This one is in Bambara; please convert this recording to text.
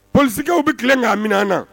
Pkɛw bɛ tilen nka min na